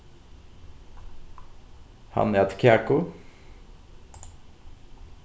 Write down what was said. hann æt kaku